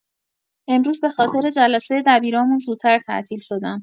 امروز به‌خاطر جلسه دبیرامون زودتر تعطیل شدم.